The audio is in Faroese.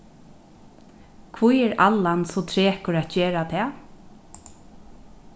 hví er allan so trekur at gera tað